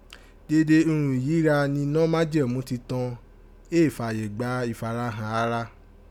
Dede irun yìí gha ninọ́ Majemu Titọn éè fàyè gbà ifarahàn ara